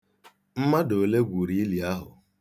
Mmadụ ole gwuru ili ahụ?